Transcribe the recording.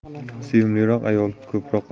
sevimliroq ayol ko'proq